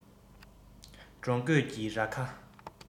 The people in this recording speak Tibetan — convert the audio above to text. འབྲོང རྒོད ཀྱི རྭ ཁ